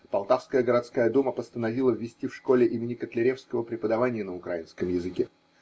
Полтавская городская дума постановила вести в школе имени Котляревского преподавание на украинском языке.